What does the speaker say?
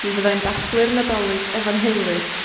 Mi fyddai'n dathlu'r Nadolig efo'n nheulu.